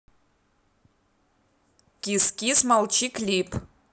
кис кис молчи клип